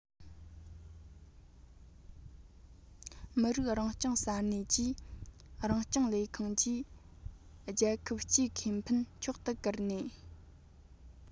མི རིགས རང སྐྱོང ས གནས ཀྱི རང སྐྱོང ལས ཁུངས ཀྱིས རྒྱལ ཁབ སྤྱིའི ཁེ ཕན མཆོག ཏུ བཀུར ནས